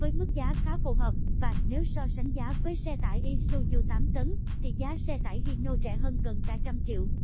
với mức giá khá phù hợp và nếu so sánh giá với xe tải isuzu tấn thì giá xe tải hino t rẻ hơn gần cả trăm triệu